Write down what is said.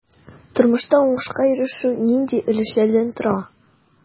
Тормышта уңышка ирешү нинди өлешләрдән тора?